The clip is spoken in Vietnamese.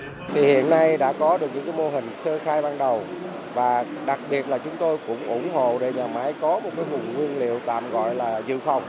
thì hiện nay đã có được những cái mô hình sơ khai ban đầu và đặc biệt là chúng tôi cũng ủng hộ để nhà máy có một cái nguồn nguyên liệu tạm gọi là dự phòng